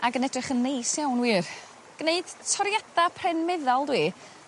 Ac yn edrych yn neis iawn wir gneud toriada pren meddal dw i